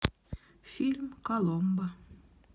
фильм коломбо